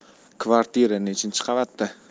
kvartira nechinchi qavatda